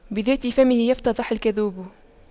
بذات فمه يفتضح الكذوب